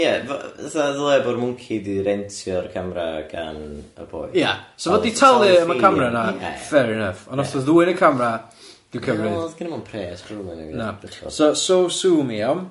Ie f- fatha ddylai bo'r mwnci di rentio'r camera gan y boi. Ia. Sa fo'n di talu am y camera yna fair enough. Ond os o'dd di dwyn y camera dwi'n cymryd na. O'dd gynna fo'm pres na bechod. Na, so so sue me iawn?